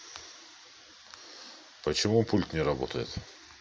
почему пульт не работает